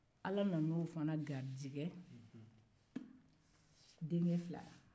ala nana o fana garijigɛ denkɛ fila la